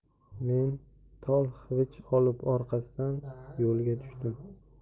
men tol xivich olib orqasidan yo'lga tushdim